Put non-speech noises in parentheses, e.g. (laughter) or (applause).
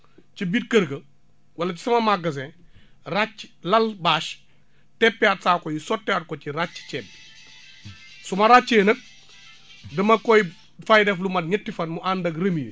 ci biir kër ga wala sama magasin ràcc lal bâche teppiwaat saako yi sottiwaat ko ci ràcc ceeb bi (noise) su ma ràccee nag dama koy fay def lu mat ñetti fan mu ànd ak *